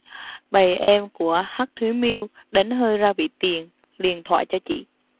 bầy em của hắc thúy miêu đánh hơi ra vị tiền liền thoại cho chị